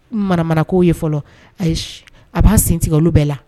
Maramanakaw ye fɔlɔ a b'a sentigɛ olu bɛɛ la